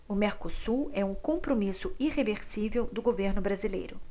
o mercosul é um compromisso irreversível do governo brasileiro